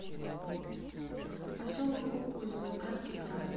поселок кокуй забайкальский край